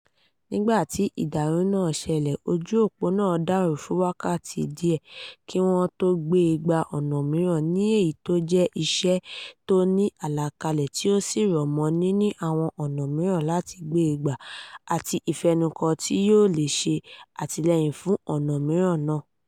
Nígbà tí ìdàrú nàá ṣẹlẹ̀, ojú òpó nàá dàrú fún wákàtí díẹ̀ kí wọ́n tó gbé e gba ọ̀nà míràn; ní èyí tó jẹ́ iṣẹ́ tó ní àlàkalẹ̀ tí ó sì rọ̀ mọ́ nínì àwọn ọ̀nà míràn láti gbée gbà àti ìfẹnùkọ̀ tí yóò lè ṣe àtìlẹyìn fùn ọ̀nà míràn náà.